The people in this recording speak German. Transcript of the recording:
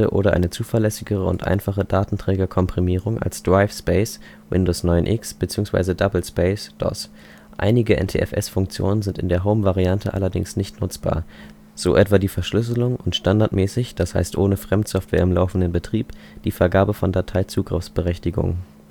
oder eine zuverlässigere und einfachere Datenträgerkomprimierung als DriveSpace (Windows 9x) bzw. Doublespace (DOS). Einige NTFS-Funktionen sind in der Homevariante allerdings nicht nutzbar, so etwa die Verschlüsselung und standardmäßig (d. h. ohne Fremdsoftware im laufenden Betrieb) die Vergabe von Dateizugriffsberechtigungen